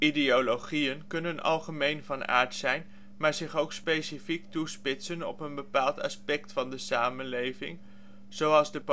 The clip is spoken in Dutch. Ideologieën kunnen algemeen van aard zijn, maar zich ook specifiek toespitsen op een bepaald aspect van de samenleving, zoals de